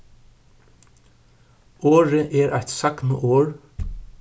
orðið er eitt sagnorð